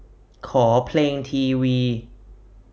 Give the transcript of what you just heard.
ขอเพลงทีวี